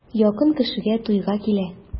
Якын кешегә туйга килә.